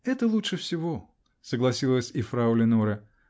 -- Это лучше всего, -- согласилась и фрау Леноре.